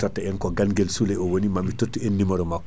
mi totta en ko Ganguel Soule o woni mami tottu en numéro makko